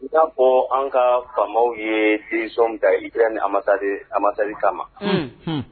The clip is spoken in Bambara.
'a fɔ an ka faw ye densɔn ta ira nimasa an masa kama ma